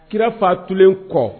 Kira fa tunlen kɔ